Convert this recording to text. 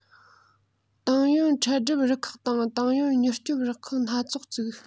ཏང ཡོན འཕྲལ སྒྲུབ རུ ཁག དང ཏང ཡོན མྱུར སྐྱོབ རུ ཁག སྣ ཚོགས བཙུགས